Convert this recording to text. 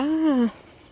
A!